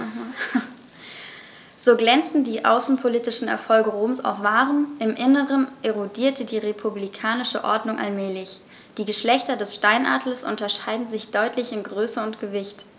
So glänzend die außenpolitischen Erfolge Roms auch waren: Im Inneren erodierte die republikanische Ordnung allmählich. Die Geschlechter des Steinadlers unterscheiden sich deutlich in Größe und Gewicht.